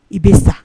I bɛ sa